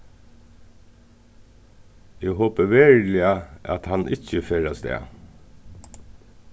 eg hopi veruliga at hann ikki fer avstað